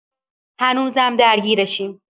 هنوزم درگیرشیم.